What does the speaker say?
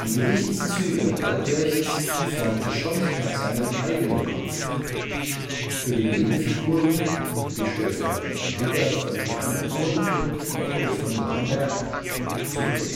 Gesichtszüge Albrechts formte Schott nach seinem eigenen Kopf. Für die Nebenfiguren, die Bischöfe Wigger von Brandenburg und Otto von Bamberg, suchte